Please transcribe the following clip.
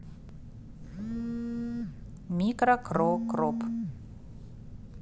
микро кро кроп